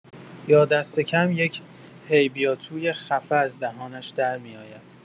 یا دست‌کم یک "هی بیا تو"ی خفه از دهانش درمی‌آید.